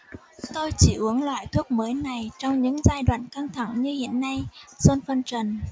tôi chỉ uống loại thuốc mới này trong những giai đoạn căng thẳng như hiện nay john phân trần